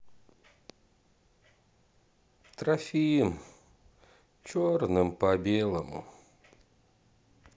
трофим черным по белому